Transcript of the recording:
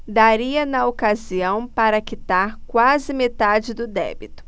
daria na ocasião para quitar quase metade do débito